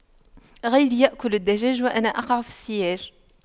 غيري يأكل الدجاج وأنا أقع في السياج